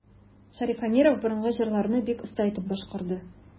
Шәриф Әмиров борынгы җырларны бик оста итеп башкарды.